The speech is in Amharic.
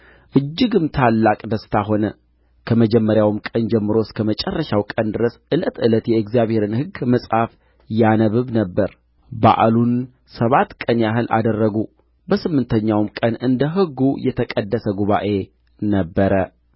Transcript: እጅግም ታላቅ ደስታ ሆነ ከመጀመሪያውም ቀን ጀምሮ እስከ መጨረሻው ቀን ድረስ ዕለት ዕለት የእግዚአብሔርን ሕግ መጽሐፍ ያነብብ ነበር በዓሉን ሰባት ቀን ያህል አደረጉ በስምንተኛውም ቀን እንደ ሕጉ የተቀደሰ ጉባኤ ነበረ